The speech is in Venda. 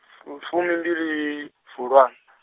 fu fumimbili fulwa .